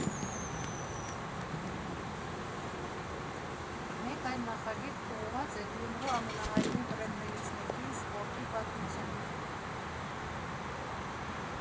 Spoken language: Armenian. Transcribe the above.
Մեկ այլ նախագիծ ուղղված է Գյումրու ամենահայտնի բրենդներից մեկին՝ սպորտի պատմությանը.